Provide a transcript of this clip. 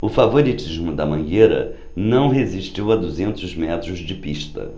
o favoritismo da mangueira não resistiu a duzentos metros de pista